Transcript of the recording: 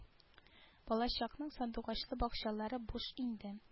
Балачакның сандугачлы бакчалары буш инде